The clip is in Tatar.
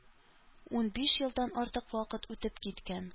Унбиш елдан артык вакыт үтеп киткән